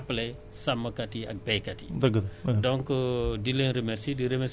na ñu xam ne tamit foofu tamit gouvernement bi à travers assurance agricole